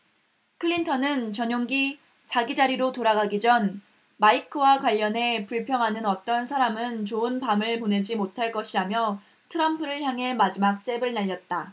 클린턴은 전용기 자기 자리로 돌아가기 전 마이크와 관련해 불평하는 어떤 사람은 좋은 밤을 보내지 못할 것이라며 트럼프를 향해 마지막 잽을 날렸다